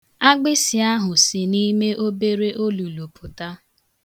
Agbịsị ahụ si n'ime obere olulu pụta.